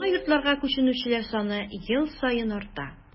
Яңа йортларга күченүчеләр саны ел саен арта.